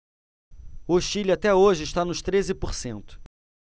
o chile até hoje está nos treze por cento